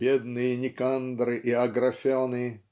бедные Никандры и Аграфены